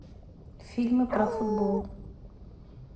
фильмы про футбол